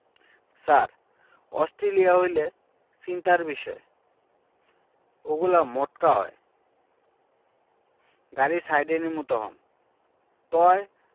ছার Australia হইলে চিন্তার বিষয় ওগুলা মোটকা হয় গাড়ি সাইডে নিমু তহন তয়